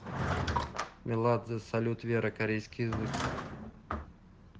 меладзе салют вера корейский язык